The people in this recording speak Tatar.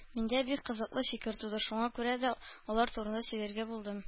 Миндә бик кызыклы фикер туды, шуңа күрә дә алар турында сөйләргә булдым